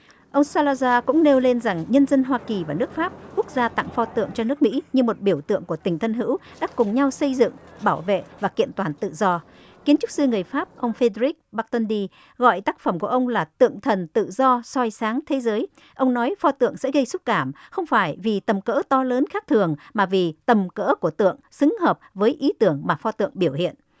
ông sa la da cũng nêu lên rằng nhân dân hoa kỳ và nước pháp quốc gia tặng pho tượng cho nước mỹ như một biểu tượng của tình thân hữu đã cùng nhau xây dựng bảo vệ và kiện toàn tự do kiến trúc sư người pháp ông phê bờ rích bác tôn đi gọi tác phẩm của ông là tượng thần tự do soi sáng thế giới ông nói pho tượng sẽ gây xúc cảm không phải vì tầm cỡ to lớn khác thường mà vì tầm cỡ của tượng xứng hợp với ý tưởng mà pho tượng biểu hiện